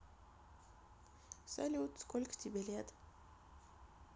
салют сколько тебе лет